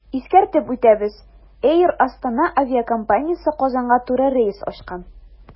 Искәртеп үтәбез, “Эйр Астана” авиакомпаниясе Казанга туры рейс ачкан.